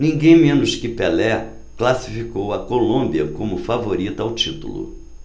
ninguém menos que pelé classificou a colômbia como favorita ao título